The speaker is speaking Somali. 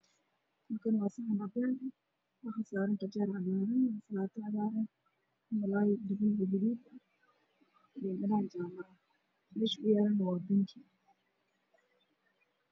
Kani waa saxan cadaan ah waxaa saaran qajaar cagaaran, ansalaato cagaaran, malaay gaduud ah, liindhanaan jaale ah, meesha uu yaalana waa bingi.